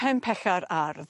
pen pella'r ardd